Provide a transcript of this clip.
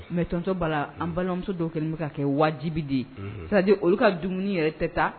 Mɛ tɔon bala an balimamuso dɔw kɛlen bɛ ka kɛ wajibibi de ye sabu olu ka dumuni yɛrɛ tɛ taa